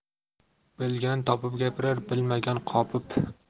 bilgan topib gapirar bilmagan qopib